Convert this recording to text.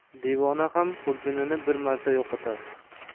devona ham xurjunini bir marta yo'qotar